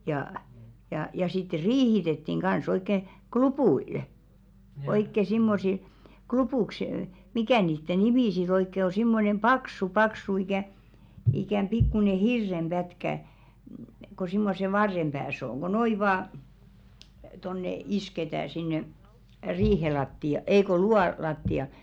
ja ja ja sitten riihitettiin kanssa oikein klupuilla oikein semmoisilla klupuiksi mikä niiden nimi sitten oikein on semmoinen paksu paksu ikään ikään pikkuinen hirren pätkä kun semmoisen varren päässä on kun noin vain tuonne isketään sinne riihen lattiaan ei kun luuvan lattiaan